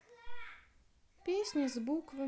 песня с буквами